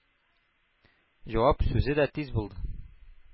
Җавап сүзе дә тиз булды.